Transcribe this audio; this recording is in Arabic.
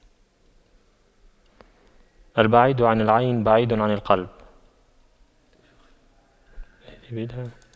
البعيد عن العين بعيد عن القلب